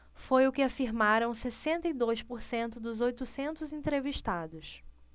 foi o que afirmaram sessenta e dois por cento dos oitocentos entrevistados